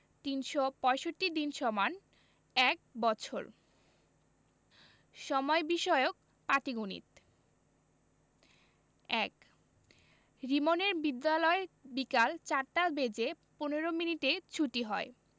৩৬৫ দিন = ১বছর সময় বিষয়ক পাটিগনিত ১ রিমনের বিদ্যালয় বিকাল ৪ টা বেজে ১৫ মিনিটে ছুটি হয়